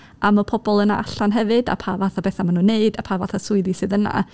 am y pobl yna allan hefyd a pa fath o bethau ma' nhw'n wneud a pa fath o swyddi sydd yna.